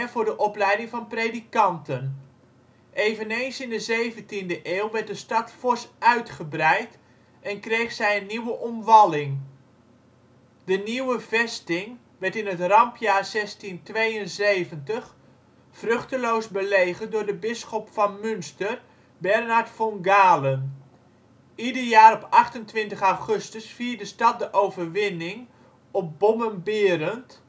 voor de opleiding van predikanten. Eveneens in de zeventiende eeuw werd de stad fors uitgebreid en kreeg zij een nieuwe omwalling. Die nieuwe vesting werd in het rampjaar 1672 vruchteloos belegerd door de bisschop van Münster, Bernhard von Galen. Ieder jaar op 28 augustus viert de stad de overwinning op Bommen Berend